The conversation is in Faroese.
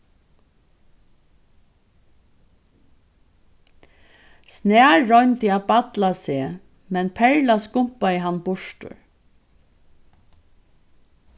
snar royndi at balla seg men perla skumpaði hann burtur